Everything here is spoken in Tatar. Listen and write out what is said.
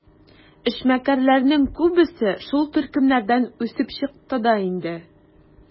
Эшмәкәрләрнең күбесе шул төркемнәрдән үсеп чыкты да инде.